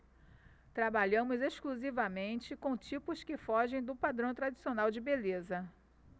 trabalhamos exclusivamente com tipos que fogem do padrão tradicional de beleza